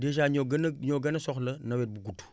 dèjà ñoo gën a ñoo gën a soxla nawet bu gudd